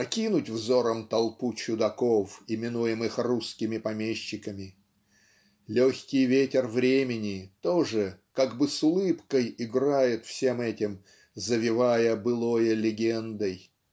окинуть взором толпу чудаков, именуемых русскими помещиками. Легкий ветер времени тоже как бы с улыбкой играет всем этим завевая былое легендой.